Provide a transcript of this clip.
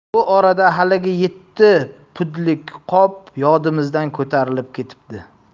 bu orada haligi yetti pudlik qop yodimizdan ko'tarilib ketibdi